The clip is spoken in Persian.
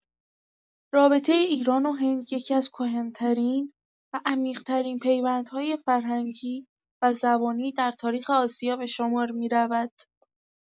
رابطه ایران و هند یکی‌از کهن‌ترین و عمیق‌ترین پیوندهای فرهنگی و زبانی در تاریخ آسیا به شمار می‌رود.